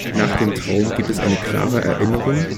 Nach dem Traum gibt es eine klare Erinnerung